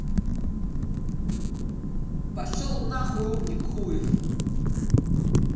пошел нахуй умник хуев